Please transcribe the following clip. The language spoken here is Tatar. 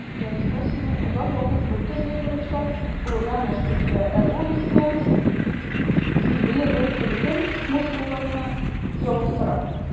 Дәресләр сине озак вакыт бертөрле торышта булырга мәҗбүр итә, ә бу исә билгеле бер төркем мускулларны ялыктыра.